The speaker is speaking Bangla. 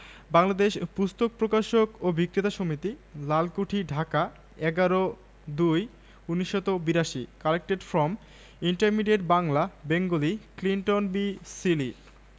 ১১ কথিকা ফোঁটা ফোঁটা বৃষ্টি হয়ে আকাশের মেঘ নামে মাটির কাছে ধরা দেবে বলে তেমনি কোথা থেকে মেয়েরা আসে পৃথিবীতে বাঁধা পড়তে তাদের জন্য অল্প জায়গার জগত অল্প মানুষের